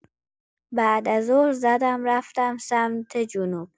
بعدازظهر زدم رفتم سمت جنوب.